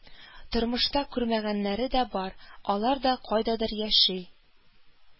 Тормышта күрмәгәннәре дә бар, алар да кайдадыр яши